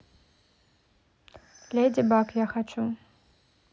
леди баг я хочу